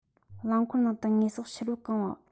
རླངས འཁོར ནང དུ དངོས ཟོག ཕྱུར བུར གང བ